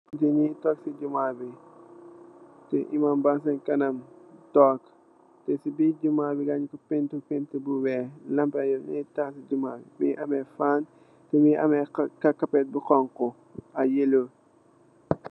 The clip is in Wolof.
Ki munge tog si juma bi imam bange tog tasi birr juma bi nyung ku pentur bu wekh munge ame lampu ak fan yu yellow